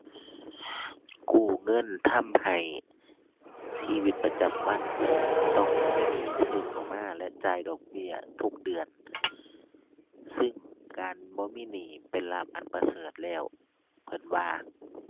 กู้เงินทำให้ชีวิตประจำวันต้องมีหนี้เพิ่มเข้ามาและจ่ายดอกเบี้ยทุกเดือน ซึ่งการบ่มีหนี้เป็นลาภอันประเสริฐแล้ว เพิ่นว่า